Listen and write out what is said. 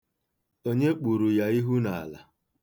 Onye kpuru ya ihu n'ala?